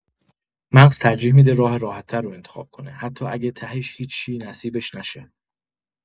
مغز ترجیح می‌ده راه راحت‌تر رو انتخاب کنه، حتی اگه تهش هیچی نصیبش نشه.